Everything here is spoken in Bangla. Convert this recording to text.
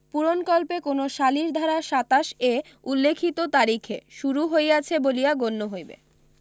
পূরণকল্পে কোন সালিস ধারা ২৭ এ উল্লিখিত তারিখে শুরু হইয়াছে বলিয়া গণ্য হইবে